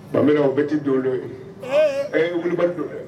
Ba o bɛti don dɔ ye ɛɛ ye wuli kulubali don